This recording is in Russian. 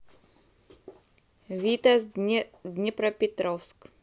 витас днепропетровск